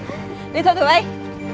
đi thôi tụi bay